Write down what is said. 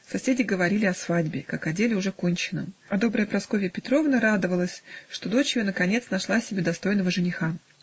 Соседи говорили о свадьбе, как о деле уже конченном, а добрая Прасковья Петровна радовалась, что дочь ее наконец нашла себе достойного жениха.